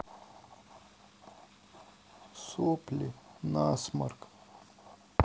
сопли насморк